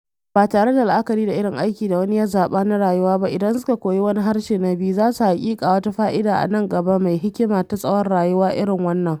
Ba tare da la’akari da irin aiki da wani ya zaɓa na rayuwa ba, idan suka koyi wani harshe na biyu, za su haƙiƙa wata fa’ida a nan gaba mai hikima ta tsawon rayuwa irin wannan: